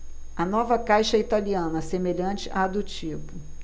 a nova caixa é italiana semelhante à do tipo